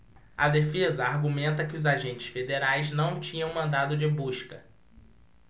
a defesa argumenta que os agentes federais não tinham mandado de busca